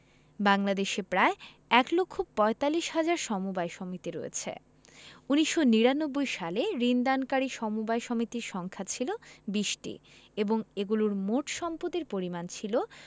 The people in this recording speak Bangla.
বাংলাদেশে প্রায় এক লক্ষ পয়তাল্লিশ হাজার সমবায় সমিতি রয়েছে ১৯৯৯ সালে ঋণ দানকারী সমবায় সমিতির সংখ্যা ছিল ২০টি এবং এগুলোর মোট সম্পদের পরিমাণ ছিল